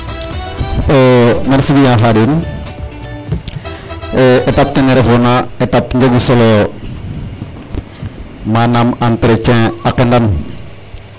Merci bien Khadim étape nene refo na étape njegu solo yo manaam entretien a qendan manaam en général a qendan alene ten i taylaayo bo taxar ke mbaagke ñoowoyo ne da mbarna ñoowit .